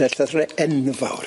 Ne' llythrynne enfawr.